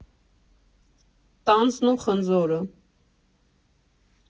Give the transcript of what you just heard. Տանձն ու խնձորը։